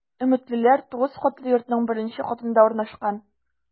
“өметлеләр” 9 катлы йортның беренче катында урнашкан.